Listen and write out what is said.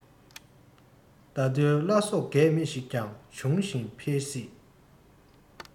བྲག རྡོའི བླ སྲོག རྒས མེད ཞིག ཀྱང འབྱུང ཞིང འཕེལ སྲིད